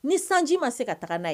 Ni sanji ma se ka taa n'a ye